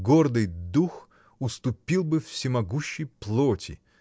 Гордый дух уступил бы всемогущей плоти